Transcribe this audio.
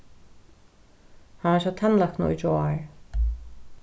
hann var hjá tannlækna í gjár